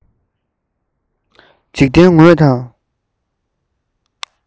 འཇིག རྟེན དངོས དང